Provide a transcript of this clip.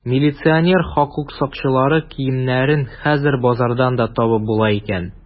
Милиционер, хокук сакчылары киемнәрен хәзер базардан да табып була икән.